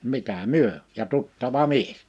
mitä me ja tuttava mies